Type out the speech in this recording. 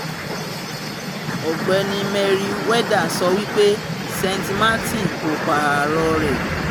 Ọgbéni Merriweather sọ wípé St. Martin kò pààrọ rẹ̀.